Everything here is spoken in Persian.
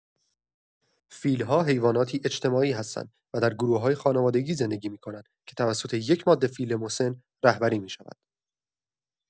فیل‌ها حیواناتی اجتماعی هستند و در گروه‌های خانوادگی زندگی می‌کنند که توسط یک ماده فیل مسن رهبری می‌شود.